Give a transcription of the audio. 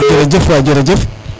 jerejef way jerejef